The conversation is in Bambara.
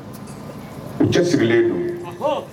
U cɛsirilen sigilen don.